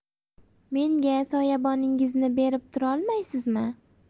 menga soyaboningizni berib turolmaysizmi